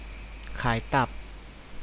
ขายตับ